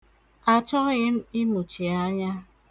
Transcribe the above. Achọghị m imuchi anya.